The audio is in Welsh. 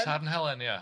Sarn Helen ie.